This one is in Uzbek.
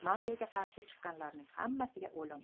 mafiyaga qarshi chiqqanlarning hammasiga o'lim